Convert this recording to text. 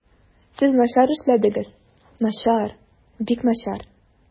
Сез начар эшләдегез, начар, бик начар.